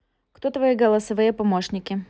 кто твои голосовые помощники